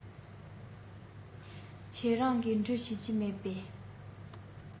ཁྱེད རང གིས འབྲི ཤེས ཀྱི མེད པས